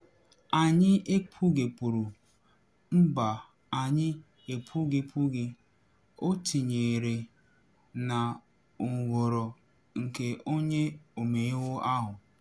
Anyị ekpughepuru...Mba, anyị ekpughipughi,” o tinyere, na nghọrọ nke onye ọmeiwu ahụ.